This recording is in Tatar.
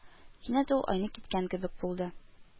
Кинәт ул айнып киткән кебек булды